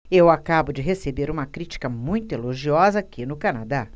eu acabo de receber uma crítica muito elogiosa aqui no canadá